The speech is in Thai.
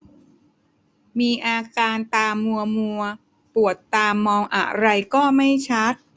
มีอาการตามัวมัวปวดตามองอะไรก็ไม่ชัด